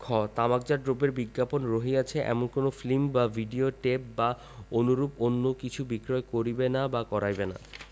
খ তামাকজাত দ্রব্যের বিজ্ঞাপন রহিয়াছে এমন কোন ফিল্ম বা ভিডিও টেপ বা অনুরূপ অন্য কিছু বিক্রয় করিবে না বা করাইবে না